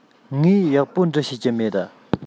ངས ཡག པོ འབྲི ཤེས ཀྱི མེད